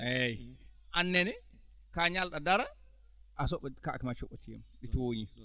eeyi aan nene ko a ñalluɗo daro a soɓi kaake maa coɓitiima ɗi tooñii